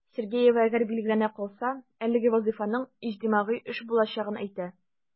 Сергеева, әгәр билгеләнә калса, әлеге вазыйфаның иҗтимагый эш булачагын әйтә.